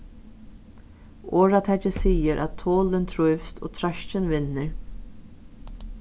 orðatakið sigur at tolin trívst og treiskin vinnur